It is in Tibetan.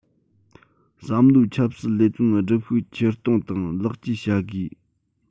བསམ བློའི ཆབ སྲིད ལས དོན སྒྲུབ ཤུགས ཆེར གཏོང དང ལེགས བཅོས བྱ དགོས